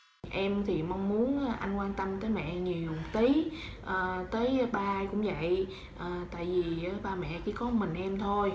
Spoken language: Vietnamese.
em thì mong muốn anh quan tâm tới mẹ em nhiều một tí ờ tới ba cũng vậy à tại vì ớ ba mẹ chỉ có mình em thôi